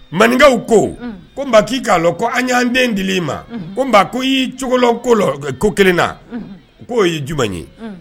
Maninkaw ko ko k'i k'a dɔn ko an y'an den di i ma ko ko i y'i cogo ko ko kelenna koo ye j ye